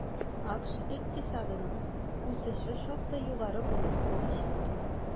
АКШ икътисадының үсеше шактый югары булып калачак.